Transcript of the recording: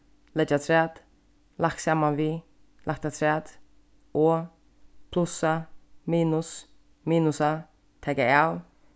leggja afturat lagt saman við lagt afturat og plussa minus minusa taka av